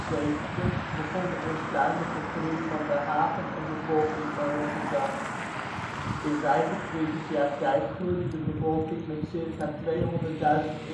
1875 begon de onstuimige groei van de haven en bevolking van Rotterdam: in 25 jaar tijd groeide de bevolking met circa 200.000 inwoners